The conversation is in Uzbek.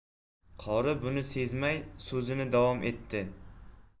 qori buni sezmay so'zini davom ettirdi